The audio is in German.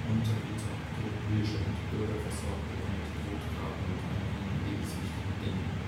Untergetauchte jüdische Mitbürger versorgte er mit Brotkarten und anderen lebenswichtigen Dingen